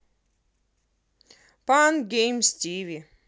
пан геймс тиви